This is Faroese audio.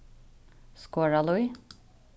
skoralíð